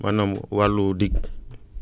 maanaam wàllu digue :gra